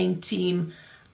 ein tîm